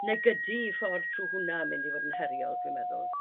negydu 'u ffordd trw' hwnna y mynd i fod yn heriol dwi meddwl.